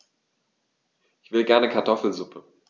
Ich will gerne Kartoffelsuppe.